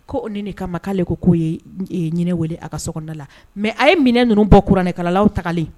Ko o ne de kama ma'ale ko k' ye ɲinin wele a ka soda la mɛ a ye minɛn ninnu bɔ kuranɛkalalaw talen